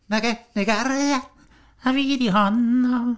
Mae gen i gariad, a fi di honno.